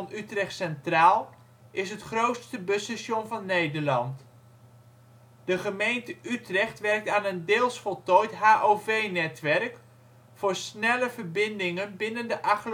Utrecht Centraal is het grootste busstation van Nederland. De gemeente Utrecht werkt aan een deels voltooid HOV-Netwerk voor snelle verbindingen binnen de agglomeratie